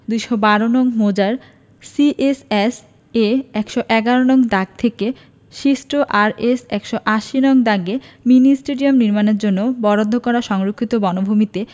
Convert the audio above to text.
২১২ নং মৌজার C S S A ১১১ নং দাগ থেকে সৃষ্ট আরএস ১৮০ নং দাগে মিনি স্টেডিয়াম নির্মাণের জন্য বরাদ্দ করা সংরক্ষিত বনভূমিতে